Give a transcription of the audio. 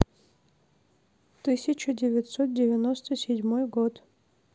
тысяча девятьсот девяносто седьмой год